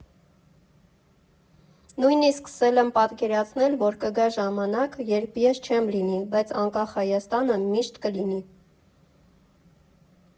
Նույնիսկ սկսել եմ պատկերացնել, որ կգա ժամանակ, երբ ես չեմ լինի, բայց անկախ Հայաստանը միշտ կլինի։